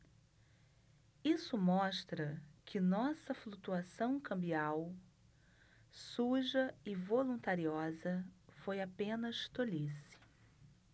isso mostra que nossa flutuação cambial suja e voluntariosa foi apenas tolice